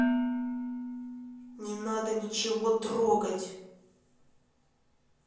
не надо ничего трогать